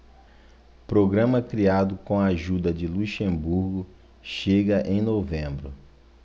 programa criado com a ajuda de luxemburgo chega em novembro